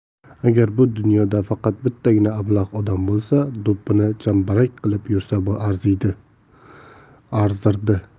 agar bu dunyoda faqat bittagina ablah odam bo'lsa do'ppini chambarak qilib yursa arzirdi